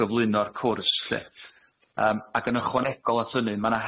gyflwyno'r cwrs lly yym ac yn ychwanegol at hynny ma' 'na